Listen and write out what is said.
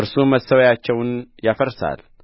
እርሱ መሠዊያቸውን ያፈርሳል